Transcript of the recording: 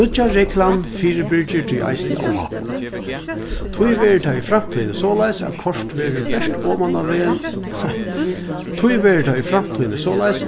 nýggja reglan fyribyrgir tí eisini óhappum tí verður tað í framtíðini soleiðis at koyrt verður bert oman á nei tí verður tað í framtíðini soleiðis